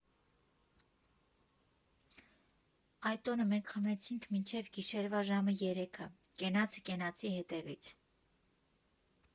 Այդ օրը մենք խմեցինք մինչև գիշերվա ժամը երեքը, կենացը կենացի հետևից։